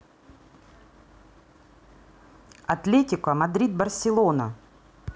атлетико мадрид барселона